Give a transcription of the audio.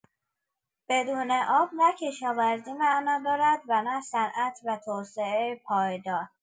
بدون آب، نه کشاورزی معنا دارد و نه صنعت و توسعه پایدار.